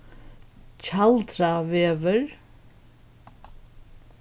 tjaldravegur